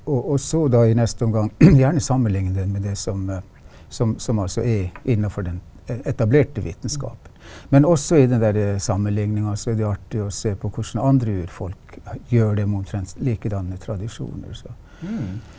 og og så da i neste omgang gjerne sammenligne den med det som som som altså er innafor den etablerte vitenskapen, men også i den der sammenligninga så er det jo artig å se på hvordan andre urfolk gjør det med omtrent likedanne tradisjoner så.